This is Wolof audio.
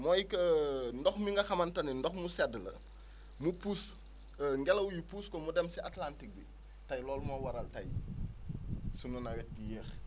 mooy que ndox mi nga xamante ni ndox mu sedd la mu pousse ngelaw yi pousse ko mu dem si Atlantique bi tey loolu moo waral tey sunu nawet yéex